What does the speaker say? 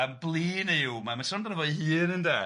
A blin yw, man son amdano fo'i hun de